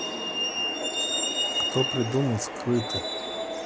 кто придумал скрыты